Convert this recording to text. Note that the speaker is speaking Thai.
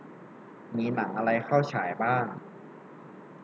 มีหนังอะไรเข้าฉายบ้าง